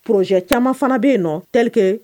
Pjɛe caman fana bɛ yen nɔ tlike